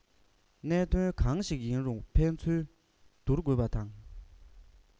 གནད དོན གང ཞིག ཡིན རུང ཕན ཚུན སྡུར དགོས པ དང